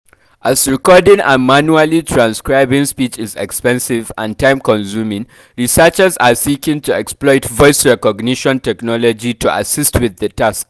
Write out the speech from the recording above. As recording and manually transcribing speech is expensive and time-consuming, researchers are seeking to exploit voice recognition technology to assist with this task.